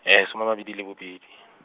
some a mabedi le bobedi .